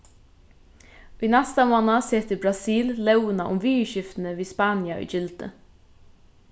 í næsta mánað setir brasil lógina um viðurskiftini við spania í gildi